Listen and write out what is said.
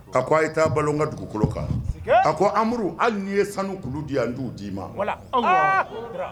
A ko a taa balo ka dugukolo kan a ko amadu halii ye sanu kulu di an' d'i ma